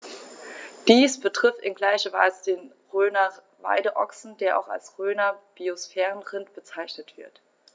Dies betrifft in gleicher Weise den Rhöner Weideochsen, der auch als Rhöner Biosphärenrind bezeichnet wird.